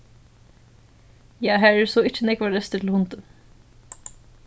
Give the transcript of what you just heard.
ja har eru so ikki nógvar restir til hundin